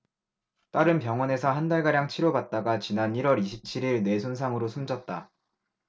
딸은 병원에서 한 달가량 치료받다가 지난 일 월 이십 칠 일 뇌 손상으로 숨졌다